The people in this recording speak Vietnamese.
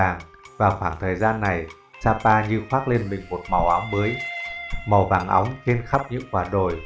vào khoảng thời gian này sapa như khoác lên mình màu áo mới màu vàng óng trên khắp những quả đồi